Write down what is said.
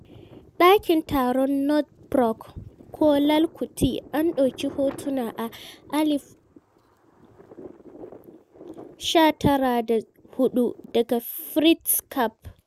ɗakin taron Northbrook ko Lal Kuthi - an ɗaukin hoton a 1904 daga Fritz Kapp.